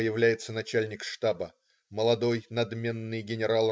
Появляется начальник штаба молодой, надменный ген.